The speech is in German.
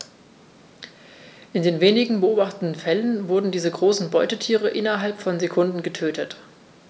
In den wenigen beobachteten Fällen wurden diese großen Beutetiere innerhalb von Sekunden getötet.